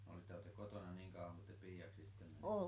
olitteko te kotona niin kauan kuin te piiaksi sitten menitte